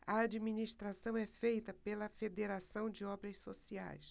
a administração é feita pela fos federação de obras sociais